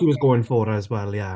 He was going for her as well yeah.